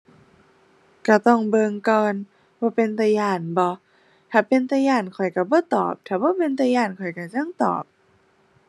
ก็ต้องเบิ่งก่อนว่าเป็นตาย้านบ่ ถ้าเป็นตาย้านข้อยก็บ่ตอบถ้าบ่เป็นตาย้านข้อยก็จั่งตอบ